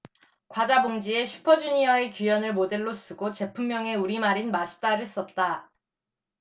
과자 봉지에 슈퍼주니어의 규현을 모델로 쓰고 제품명에 우리말인 맛있다를 썼다